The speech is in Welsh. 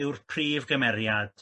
yw'r prif gymeriad